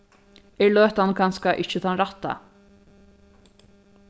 er løtan kanska ikki tann rætta